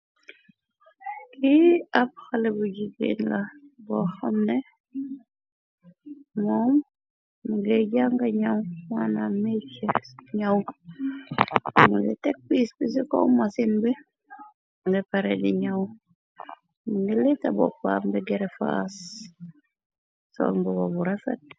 Ki ab xale bu jiggeen la boo xamne moom mi ngay jànga ñaw mana meec ñaw mungay tek piis pi ci kom masen bi nga pare di ñaw minga leeta boppa ambe gere faas sol mbu wa bu rafet.